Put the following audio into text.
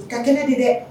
U ka kɛlɛ di dɛ